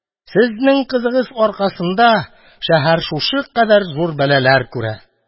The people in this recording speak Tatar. Сезнең кызыгыз аркасында шәһәр шушы кадәр зур бәлаләр күрә.